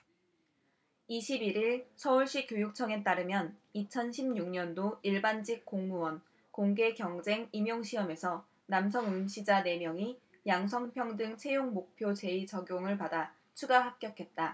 이십 일 일 서울시교육청에 따르면 이천 십 육 년도 일반직공무원 공개경쟁임용시험에서 남성 응시자 네 명이 양성평등채용목표제의 적용을 받아 추가 합격했다